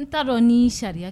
N taa dɔn ni sariya